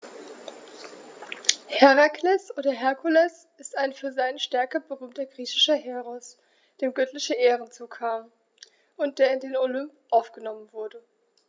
Herakles oder Herkules ist ein für seine Stärke berühmter griechischer Heros, dem göttliche Ehren zukamen und der in den Olymp aufgenommen wurde.